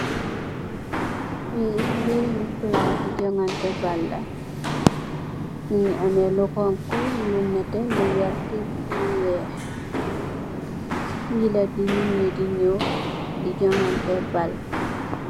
Fii barabi palas si jongante baal la, mingi amme lu xonxu, lu nete, lu werta, lu weex, fii la di ninyi di nyaw di jongante baal.